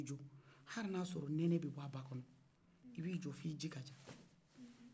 ali n'a ya sɔrɔ nɛnɛ bɛbɔ a ba kɔnɔ ibi jɔ fo daga ɲi ji ka ja